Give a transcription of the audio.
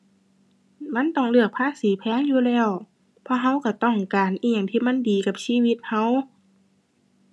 มันต้องเลือกภาษีแพงอยู่แล้ว เพราะเราก็ต้องการอิหยังที่มันดีกับชีวิตเรา